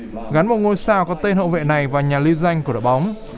gắn một ngôi sao có tên hậu vệ này vào nhà liên danh của đội bóng